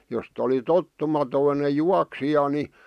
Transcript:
jos oli tottumaton juoksija niin